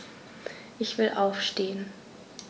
Ich will aufstehen.